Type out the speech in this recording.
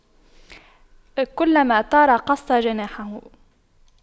كلما طار قص جناحه